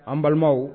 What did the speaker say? An balima